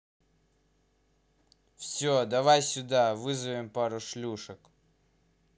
все давай сюда вызовем пару шлюшек